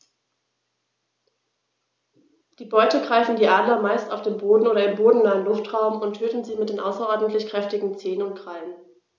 Die Beute greifen die Adler meist auf dem Boden oder im bodennahen Luftraum und töten sie mit den außerordentlich kräftigen Zehen und Krallen.